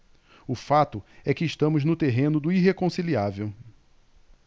o fato é que estamos no terreno do irreconciliável